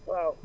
waaw